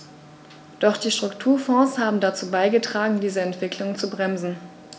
Doch die Strukturfonds haben dazu beigetragen, diese Entwicklung zu bremsen.